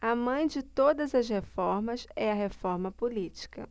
a mãe de todas as reformas é a reforma política